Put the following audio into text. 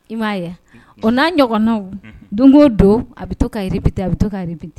I m'a ye a unhun o n'a ɲɔgɔnnaw doŋo don a be to k'a répéter a be to k'a répéter